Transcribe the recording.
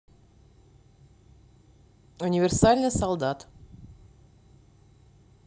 универсальный солдат